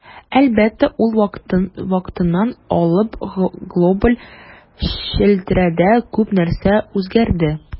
Әлбәттә, ул вакыттан алып глобаль челтәрдә күп нәрсә үзгәрде.